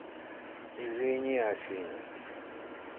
извини афина